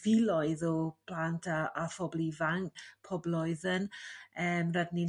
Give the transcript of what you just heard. filoedd o blant a a phobl ifan' pob blwyddyn yym rydyn ni'n